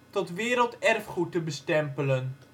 tot werelderfgoed te bestempelen